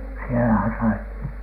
siellähän sai